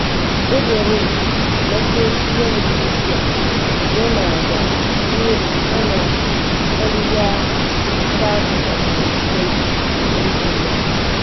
ƙudirin na soshiyal mediya yana da burin hana ƙarya da cakuɗa bayanai a intanet.